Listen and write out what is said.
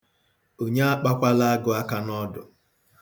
Onye akpakwala agụ aka n'ọdụ?